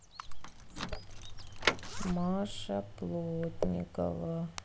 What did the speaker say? маша плотникова